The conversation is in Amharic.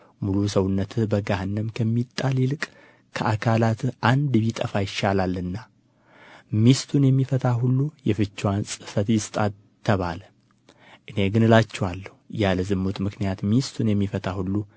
ሙሉ ሰውነትህ በገሃነም ከሚጣል ይልቅ ከአካላትህ አንድ ቢጠፋ ይሻላልና ሚስቱን የሚፈታት ሁሉ የፍችዋን ጽሕፈት ይስጣት ተባለ እኔ ግን እላችኋለሁ ያለ ዝሙት ምክንያት ሚስቱን የሚፈታ ሁሉ